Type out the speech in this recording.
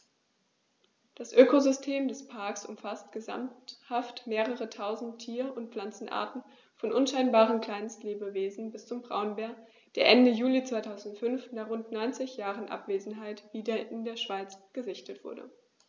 Das Ökosystem des Parks umfasst gesamthaft mehrere tausend Tier- und Pflanzenarten, von unscheinbaren Kleinstlebewesen bis zum Braunbär, der Ende Juli 2005, nach rund 90 Jahren Abwesenheit, wieder in der Schweiz gesichtet wurde.